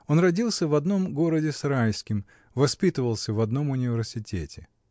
Он родился в одном городе с Райским, воспитывался в одном университете.